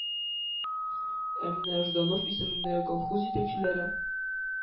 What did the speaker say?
Ә менә Жданов исемендәге колхоз җитәкчеләре